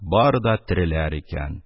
Бары да тереләр икән.